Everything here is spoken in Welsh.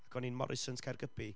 Ac o'n i'n Morrisons Caergybi,